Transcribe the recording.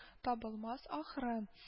Табылмас, ахры